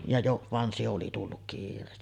ja - vaan se oli tullut kiireesti